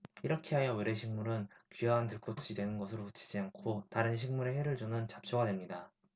이렇게 하여 외래 식물은 귀화한 들꽃이 되는 것으로 그치지 않고 다른 식물에 해를 주는 잡초가 됩니다